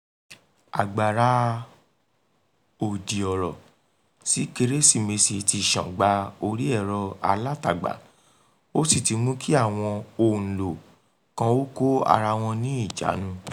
Àgbàrá òdì ọ̀rọ̀ sí Kérésìmesì ti ṣàn gba orí ẹ̀rọ-alátagbà ó sì ti mú kí àwọn òǹlò kan ó kó ara wọn ní ìjánu.